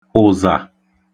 ụ̀zà